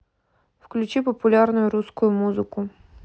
включи популярную русскую музыку